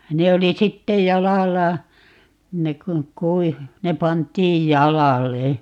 ne oli sitten jalalla ne kun kuivui ne pantiin jalalle